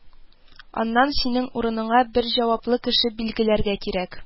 Аннан синең урыныңа бер җаваплы кеше билгеләргә кирәк